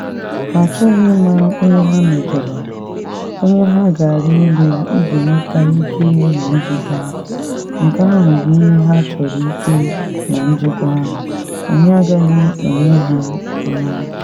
Ha achọghị ịma onye ha mejọrọ, onye ha ga-arị elu iji nweta ike na njikwa, nke ahụ bụ ihe ha chọrọ ike na njikwa, anyị agaghị enye ha ya.”